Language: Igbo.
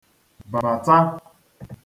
bàta